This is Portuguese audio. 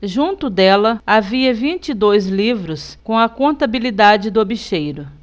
junto dela havia vinte e dois livros com a contabilidade do bicheiro